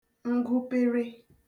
ngụpere